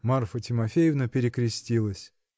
Марфа Тимофеевна перекрестилась.